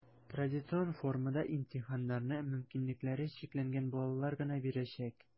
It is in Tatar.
Традицион формада имтиханнарны мөмкинлекләре чикләнгән балалар гына бирәчәк.